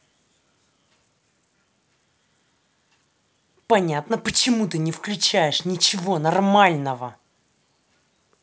понятно почему ты не включаешь ничего нормального